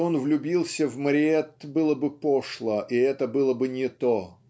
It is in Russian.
что он влюбился в Мариэтт было бы пошло и это было бы не то.